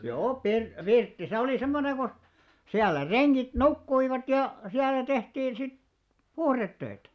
joo - pirtti se oli semmoinen kun siellä rengit nukkuivat ja siellä tehtiin sitten puhdetöitä